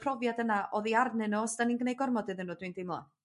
profiad yna oddi arnyn nhw os 'dan ni'n gneud gormod iddyn nhw dwi'n deimlo.